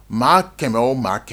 Maa 100 o maa 100